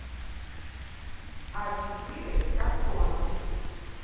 а четыре с картоном